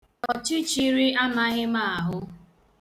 Ọchịchịrị amaghị m ahụ.